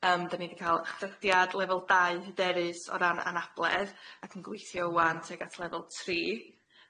Yym dyn ni di ca'l ychdydiad lefel dau hyderus o ran anabledd ac yn gweithio ŵan tuag at lefel tri.